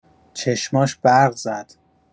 چشماش برق زد.